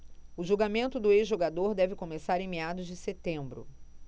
o julgamento do ex-jogador deve começar em meados de setembro